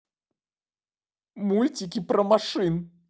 мультики про машин